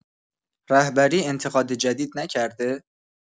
رهبری انتقاد جدید نکرده؟